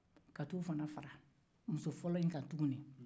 ka taa o fana fara musofɔlɔ in kan tuguni